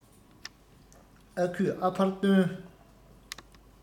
ཨ ཁུས ཨ ཕར སྟོན